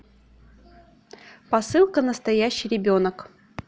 посылка настоящий ребенок